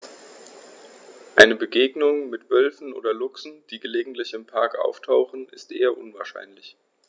Eine Begegnung mit Wölfen oder Luchsen, die gelegentlich im Park auftauchen, ist eher unwahrscheinlich.